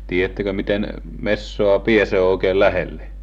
tiedättekö miten metsoa pääsee oikein lähelle